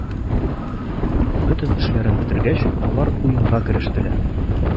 Бөтен эшләрен бетергәч, алар уенга керештеләр.